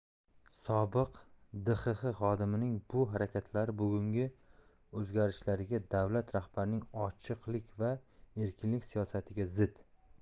sobiq dxx xodimining bu harakatlari bugungi o'zgarishlarga davlat rahbarining ochiqlik va erkinlik siyosatiga zid